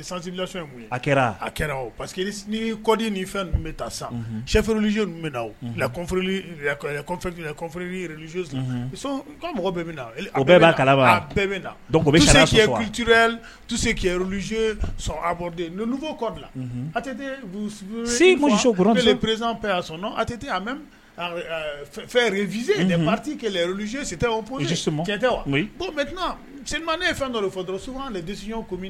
Zsezden kɔ bila a tɛoro prezp fɛzsetiz si mɛma ne ye fɛn dɔdi